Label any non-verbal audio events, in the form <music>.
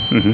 <hesitation> <hesitation>